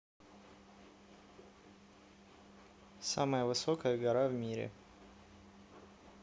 самая высокая гора в мире